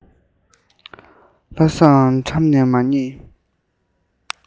ལྷ སའི ཁྲོམ ནས མི རྙེད